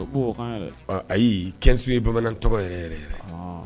Ko ayi kɛnsiw ye bamanan tɔgɔ yɛrɛ yɛrɛ